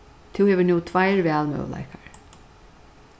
tú hevur nú tveir valmøguleikar